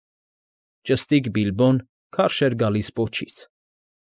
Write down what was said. Ճստիկ Բիլբոն քարշ էր գալիս պոչից։